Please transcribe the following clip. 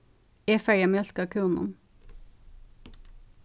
eg fari at mjólka kúnum